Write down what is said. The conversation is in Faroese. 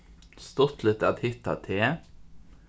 stuttligt at hitta teg